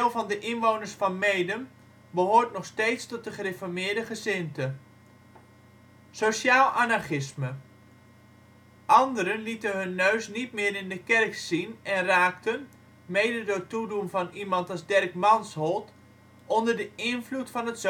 van de inwoners van Meeden behoort nog steeds tot de gereformeerde gezindte. Sociaal-anarchisme Anderen lieten hun neus niet meer in de kerk zien en raakten, mede door toedoen van iemand als Derk Mansholt, onder de invloed van het